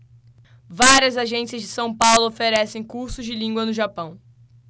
várias agências de são paulo oferecem cursos de língua no japão